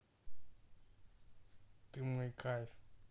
ты мой кайф